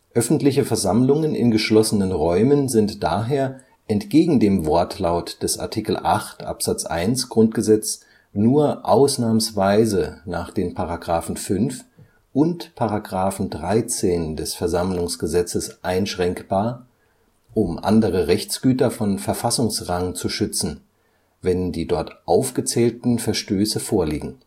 Öffentliche Versammlungen in geschlossenen Räumen sind daher entgegen dem Wortlaut des Art. 8 Abs. 1 GG nur ausnahmsweise nach den § 5 und § 13 VersammlG einschränkbar, um andere Rechtsgüter von Verfassungsrang zu schützen, wenn die dort aufgezählten Verstöße vorliegen